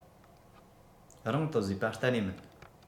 རང དུ བཟོས བ གཏན ནས མིན